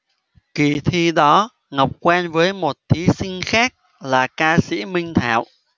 kỳ thi đó ngọc quen với một thí sinh khác là ca sĩ minh thảo